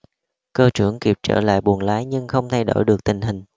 cơ trưởng kịp trở lại buồng lái nhưng không thay đổi được tình hình